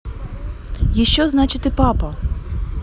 еще значит и папа